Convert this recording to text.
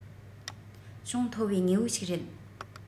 ཅུང མཐོ བའི དངོས པོ ཞིག རེད